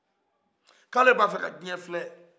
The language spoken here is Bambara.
k'ale bɛ a fɛ ka dunuya filɛ